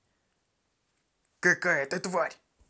какой ты тварь